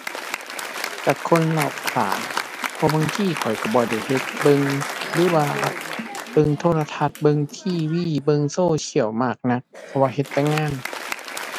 จากคนรอบข้าง เพราะบางทีข้อยก็บ่ได้เฮ็ดเบิ่งหรือว่าเบิ่งโทรทัศน์ เบิ่ง TV เบิ่งโซเชียลมากนัก เพราะว่าเฮ็ดแต่งาน